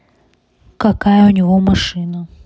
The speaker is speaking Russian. какая у него машина